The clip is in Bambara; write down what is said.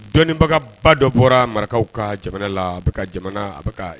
Dɔnnibagaba dɔ bɔra marakaw ka jamana la a bɛ jamana a bɛ